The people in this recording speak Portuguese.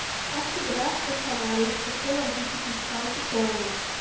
acho graça chamar esse pequeno ajuste fiscal de plano